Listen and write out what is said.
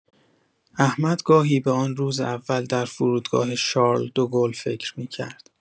احمد گاهی به آن روز اول در فرودگاه شارل دوگل فکر می‌کرد.